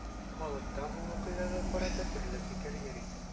Халыкта бу вакыйгага карата төрле фикер йөри.